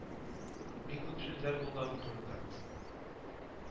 Бик күп сүзләр булды аның турында